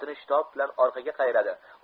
otini shitob bilan orqaga qayiradi